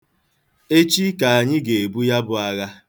Echi ka anyị ga-ebu ya bụ agha.